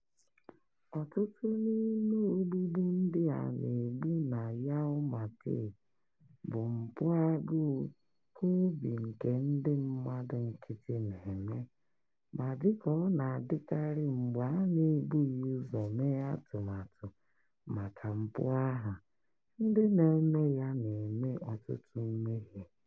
Ọtụtụ n'ime ogbugbu ndị a na-egbu na Yau Ma Tei bụ mpụ agụụ keobi nke ndị mmadu nkịtị na-eme, ma dị ka ọ na-adịkarị mgbe a na-ebughị ụzọ mee atụmatụ maka mpụ ahụ, ndị na-eme ya na-eme ọtụtụ mmehie.